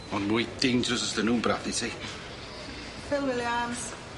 On' mwy dangerous os 'dyn nw'n brathu ti. Phil Williams.